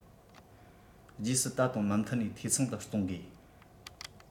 རྗེས སུ ད དུང མུ མཐུད ནས འཐུས ཚང དུ གཏོང དགོས